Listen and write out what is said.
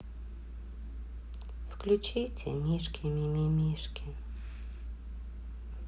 включите мишки мимимишки